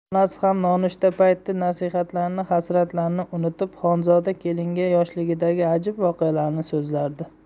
onasi ham nonushta payti nasihatlarini hasratlarini unutib xonzoda keliniga yoshligidagi ajib voqealarni so'zlardi